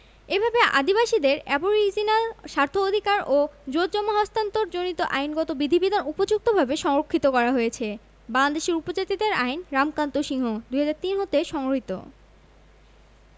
এভাবে আদিবাসীদের এবরিজিনাল স্বার্থ অধিকার ও জোতজমা হস্তান্তরজনিত আইনগত বিধিবিধান উপযুক্তভাবে সংরক্ষিত করা হয়েছে বাংলাদেশের উপজাতিদের আইন রামকান্ত সিংহ ২০০৩ হতে সংগৃহীত